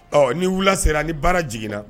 Ɔ ni wula sera ni baara jiginna